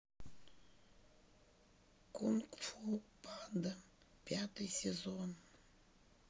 кунг фу панда пятый сезон